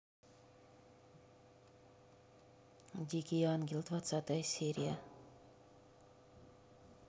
дикий ангел двадцатая серия